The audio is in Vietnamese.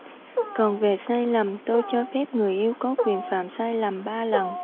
còn về sai lầm tôi cho phép người yêu có quyền phạm sai lầm ba lần